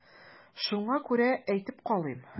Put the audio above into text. Шуңа күрә әйтеп калыйм.